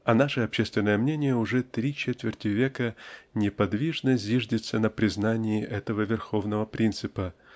а наше общественное мнение уже три четверти века неподвижно зиждется на признании этого верховного принципа